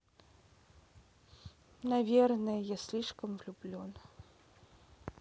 наверное я слишком влюблен